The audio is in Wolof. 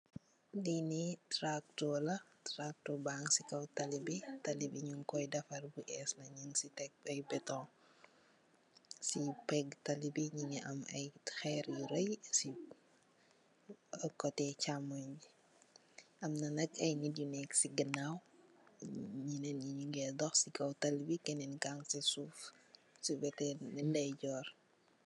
Lii nii tracto la, tracto bag si kaw taly bi, taly bi nyun koy defar bu ees la, nyun si teg ay beton, si pege taly bi nyun ngi am ay ker yu reey, kote caamony, amna ay nit yu nekk si ganaw, nyenen nyi nyingi dox si kaw taly bi, kenen kang si soof, si kote ndayjor ngi.